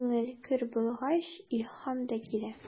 Күңел көр булгач, илһам да килә.